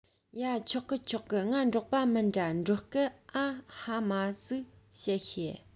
ཡ ཆོག གི ཆོག གི ང འབྲོག པ མིན དྲ འབྲོག སྐད ཨ ཧ མ ཟིག བཤད ཤེས